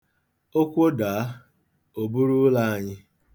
O kwodaa, o buru ụlọ anyị.